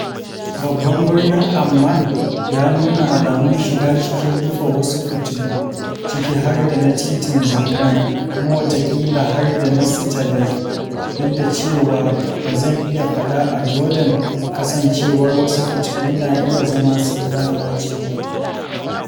Babban birnin Amman ya nuna alamun shiga cikin rufe wasu fitilu, ciki har da na titin Zahran, kuma wataƙila har da na Citadel (duk da cewa ba zan iya faɗa a Jordan, kasancewar wasu fitilu na iya zama sun lalace).